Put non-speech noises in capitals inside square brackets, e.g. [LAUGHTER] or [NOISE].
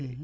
[HESITATION] [HESITATION]